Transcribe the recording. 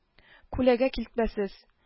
Күләгә килбәтсез